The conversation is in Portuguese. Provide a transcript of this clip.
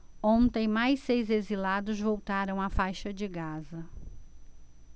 ontem mais seis exilados voltaram à faixa de gaza